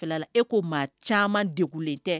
Lala e ko maa caman degunlen tɛ!